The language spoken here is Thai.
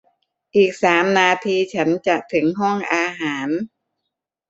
อีกสามนาทีฉันจะถึงห้องอาหาร